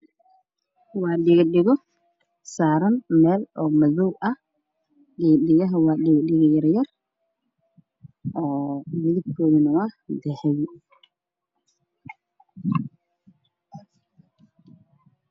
Waa dhago dhago saaran meel madow ah waana dhago yar oo dahabi ah.